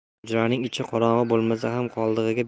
hujraning ichi qorong'i bo'lmasa ham qoidaga binoan